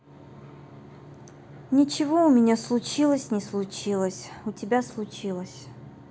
ничего у меня случилось не случилось у тебя случилось